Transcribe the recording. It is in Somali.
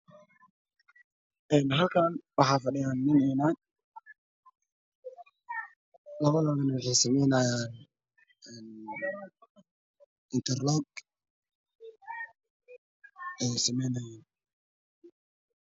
Halkan waxaa fadhiyan nin iyo naag labadooda wexay samaynayaan antarloog ee sayaynayan